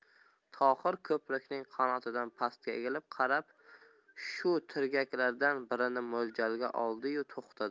tohir ko'prikning qanotidan pastga egilib qarab shu tirgaklardan birini mo'ljalga oldi yu to'xtadi